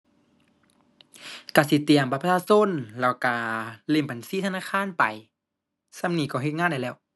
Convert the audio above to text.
ก็สิเตรียมบัตรประชาชนแล้วก็เลขบัญชีธนาคารไป ส่ำนี้ก็เฮ็ดงานได้แล้ว